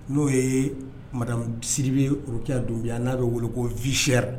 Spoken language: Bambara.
N'o ye masiribiroya don ye yan n'a bɛ weele ko vsiyara